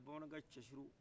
bamanankɛ cɛsuru